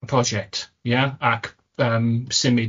y project, ia? Ac yym symud